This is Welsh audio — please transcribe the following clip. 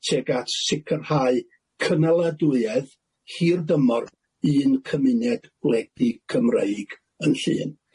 tuag at sicyrhau cynaladwyaeth hirdymor un cymuned gwledig Cymreig yn Llŷn. Diolch yn fawr Mistar Cadeirydd.